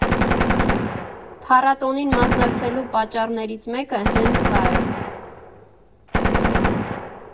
Փառատոնին մասնակցելու պատճառներից մեկը հենց սա է։